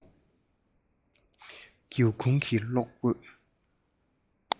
སྒེའུ ཁུང གི གློག འོད